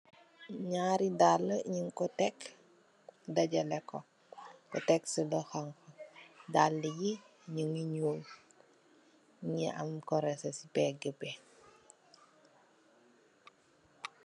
Naari daali nung ko tekk dajalè ko, nu tekk ci loho. Daal yi nungi ñuul nu am korosè ci pèg bi.